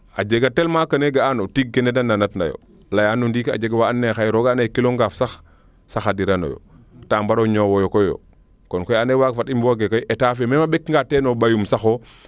a jega tellement que ga aano tiig ke neede nanat nayo leyaano ndiiki a jega waa ando naye xaye rooga andaye kilo ngaaf sax saxdiranoyo ta mbaro ñoow koyo kon koy waaga fat i mbooge koy Etat fe meme a mbeka nga teen o mbayum sax o